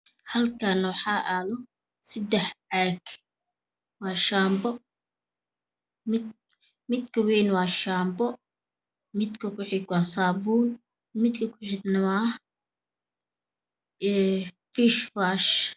Halkaan waa aalo sidex caag waa shampo midka weyan waa shampo midka ku xig waa sabuun midka ku xigne een waa fesh wosh